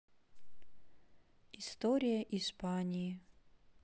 история испании